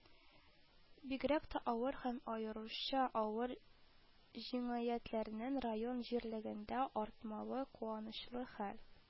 Бигрәк тә авыр һәм аеруча авыр җинаятьләрнең район җирлегендә артмавы куанычлы хәл